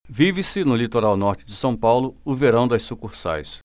vive-se no litoral norte de são paulo o verão das sucursais